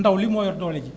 ndaw li moo yor doole ji